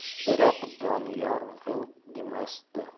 biroq doniyor g'ing demasdi